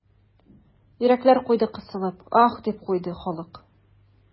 Йөрәкләр куйды кысылып, аһ, дип куйды халык.